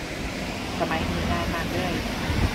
สมัยนี้ง่ายมากเลย